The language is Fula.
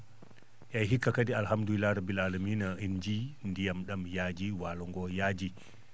eeyi hikka kadi Alhamdulilah rabbil ala mina en jii ndiyam ?am yaajii waalo ngoo yaajii